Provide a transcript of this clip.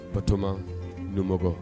Batoɔgɔma n